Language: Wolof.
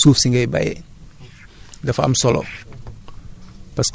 suuf si ngay bayee dafa am solo